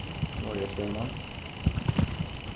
norðoyastevnan